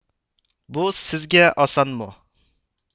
بۇ سىزگە ئاسانمۇ